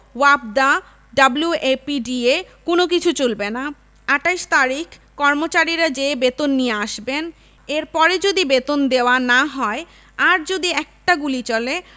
ওয়াপদা W A P D A কোন কিছু চলবে না ২৮ তারিখ কর্মচারীরা যেয়ে বেতন নিয়া আসবেন এর পরে যদি বেতন দেওয়া না হয় আর যদি একটা গুলি চলে